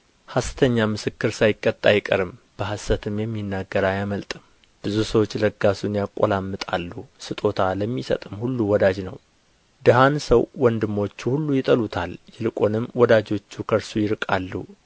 ሐሰተኛ ምስክር ሳይቀጣ አይቀርም በሐሰትም የሚናገር አያመልጥም ብዙ ሰዎች ለጋሱን ያቈላምጣሉ ስጦታ ለሚሰጥም ሁሉ ወዳጅ ነው ድሀን ሰው ወንድሞቹ ሁሉ ይጠሉታል ይልቁንም ወዳጆቹ ከእርሱ ይርቃሉ